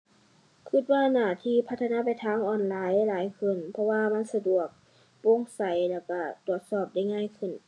คิดว่าน่าที่พัฒนาไปทางออนไลน์หลายขึ้น เพราะว่ามันสะดวก โปร่งใส แล้วคิดตรวจสอบได้ง่ายขึ้น